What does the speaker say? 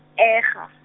ega.